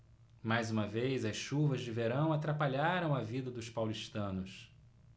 mais uma vez as chuvas de verão atrapalharam a vida dos paulistanos